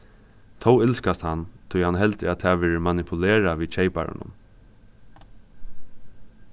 tó ilskast hann tí hann heldur at tað verður manipulerað við keyparunum